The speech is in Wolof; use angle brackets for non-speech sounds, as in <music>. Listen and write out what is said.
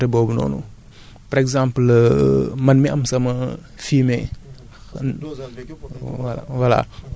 <hesitation> <hesitation> <breath> dëgg la xam naa bu delloo ci côté boobu noonu <breath> par exemple <hesitation> man mi am sama <hesitation> fumier